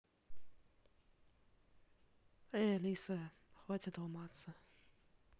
эй алиса хватит ломаться